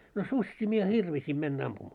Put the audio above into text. no susia minä hirvisin mennä ampumaan